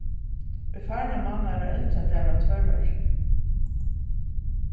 í farna mánaði var eldradagur á tvøroyri